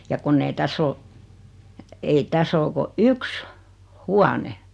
ja kun ei tässä ole ei tässä ole kuin yksi huone